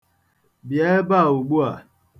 Bịa ebe a ugbua.